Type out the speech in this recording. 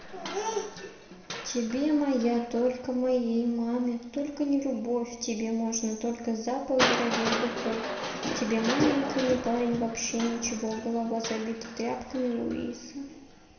тебе моя только моей маме только не любовь тебе можно только запах дорогих духов тебе маленькой не парень вообще ничего голова забита тряпками луиса